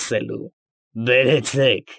Ասելու։ Բերեցե՛ք։